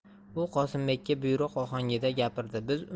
u qosimbekka buyruq ohangida gapirdi biz